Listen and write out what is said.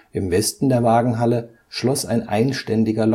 Im Westen der Wagenhalle schloss ein einständiger